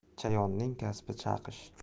chayonning kasbi chaqish